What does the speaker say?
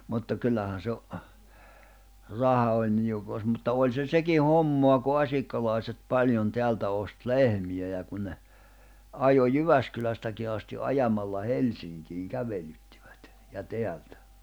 mutta kyllähän se raha oli niukoissa mutta oli se sekin hommaa kun asikkalalaiset paljon täältä osti lehmiä ja kun ne ajoi Jyväskylästäkin asti ajamalla Helsinkiin kävelyttivät ja täältä